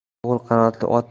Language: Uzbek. o'g'il qanotli ot